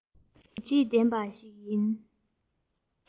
གཟི བརྗིད ལྡན པ ཞིག ཡིན